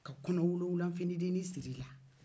ka kɔnɔwolonwulafnidennin sir'i la